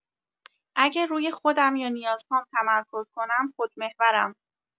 اگه روی خودم یا نیازهام تمرکز کنم خودمحورم.